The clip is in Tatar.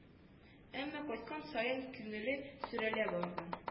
Әмма кайткан саен күңеле сүрелә барган